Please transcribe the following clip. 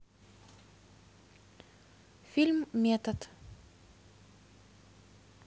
фильм метод